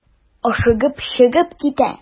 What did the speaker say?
Ашыгып чыгып китә.